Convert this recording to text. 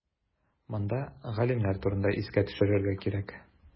Монда галимнәр турында искә төшерергә кирәк.